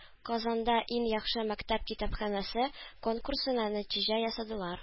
Казанда “Иң яхшы мәктәп китапханәсе” конкурсына нәтиҗә ясадылар